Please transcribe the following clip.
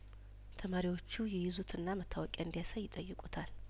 ተማሪዎቹ ይይዙትና መታወቂያእንዲያሳይይጠይቁታል